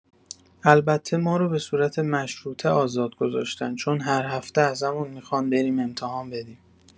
البته ما رو به صورت مشروطه آزاد گذاشتن، چون هر هفته ازمون میخوان بریم امتحان بدیم.